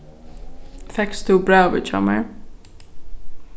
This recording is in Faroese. fekst tú brævið hjá mær